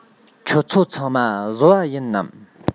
ཁྱོད ཚོ ཚང མ བཟོ པ ཡིན ནམ